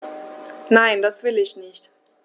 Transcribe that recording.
Nein, das will ich nicht.